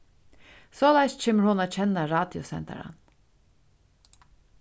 soleiðis kemur hon at kenna radiosendaran